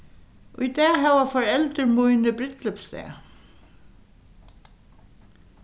í dag hava foreldur míni brúdleypsdag